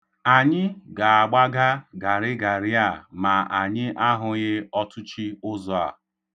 Anyị ga-agbaga garịgarị a ma anyị ahụghị ọtụchị ụzọ a.